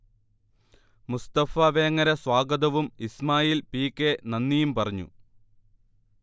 മുസ്തഫ വേങ്ങര സ്വാഗതവും Ismail P. K. നന്ദിയും പറഞ്ഞു